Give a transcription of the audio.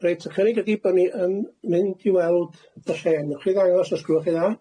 Reit, y cynnig ydi bo' ni yn mynd i weld y lle. Newch chi ddangos os gwelwch chi'n dda?